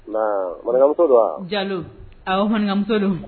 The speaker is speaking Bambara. Nbaa Maniŋamuso don wa Diallo awɔ Maniŋamuso don